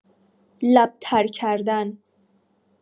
لب‌تر کردن